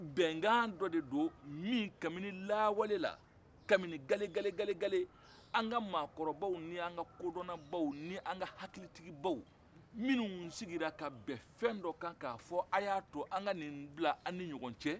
bɛnkan dɔ de min kabi ni lawale la kabi ni gale gale gale gale an ka mɔgɔkɔrɔnaw ni an ka kodɔnnabaw ani an ka hakilitibaw minnu tun sigira ka bɛn fɛn dɔ ka fɔ a y'a tɔ a ka ni bila an n'u ɲɔgɔn cɛ